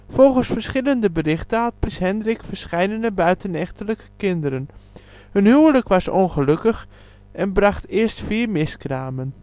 Volgens verschillende berichten had prins Hendrik verscheidene buitenechtelijke kinderen. Hun huwelijk was ongelukkig, en bracht eerst vier miskramen